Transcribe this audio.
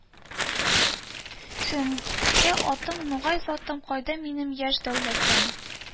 Сөембикә атым, нугай затым, кайда минем яшь дәүләтем,